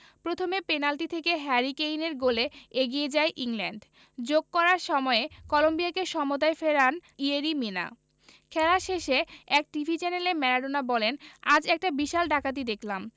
প্রথমে পেনাল্টি থেকে হ্যারি কেইনের গোলে এগিয়ে যায় ইংল্যান্ড যোগ করা সময়ে কলম্বিয়াকে সমতায় ফেরান ইয়েরি মিনা খেলা শেষে এক টিভি চ্যানেলে ম্যারাডোনা বলেন আজ একটা বিশাল ডাকাতি দেখলাম